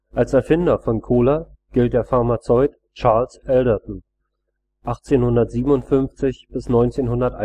Als Erfinder von Cola gilt der Pharmazeut Charles Alderton (1857 – 1941